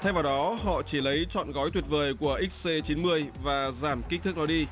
thêm vào đó họ chỉ lấy trọn gói tuyệt vời của a xê chín mươi và giảm kích thước đó đi